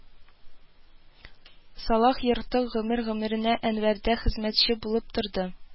Салах Ертык гомер-гомеренә Әнвәрдә хезмәтче булып торды